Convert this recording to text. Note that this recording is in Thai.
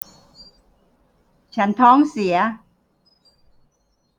ฉันท้องเสีย